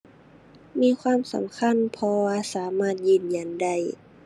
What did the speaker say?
มีความสำคัญเพราะว่าสามารถยืนยันได้